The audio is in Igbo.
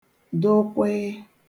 dụkwịị